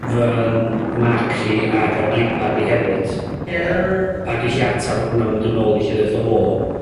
fy'n Mac i ag ar 'yn Ipad i hefyd. Ie. A dwi 'llu atab ar hwnna a mynd yn ôl i lle neith o...